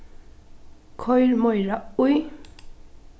koyr meira í